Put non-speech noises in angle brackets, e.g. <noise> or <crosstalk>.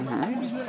<hesitation> <hesitation>